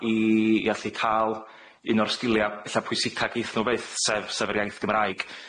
i i allu ca'l un o'r sgilia' ella pwysica geith nw fyth, sef sef yr iaith Gymraeg.